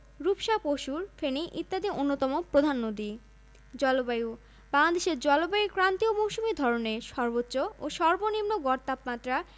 মহাস্থান থেকে প্রায় ৬ কিলোমিটার পশ্চিমে এবং নাগর নদী থেকে ৫০০ মিটার পশ্চিমে অবস্থিত ময়নামতি কুমিল্লা শহরের প্রায় ৮ কিলোমিটার পশ্চিমে অবস্থিত হলুদ বিহার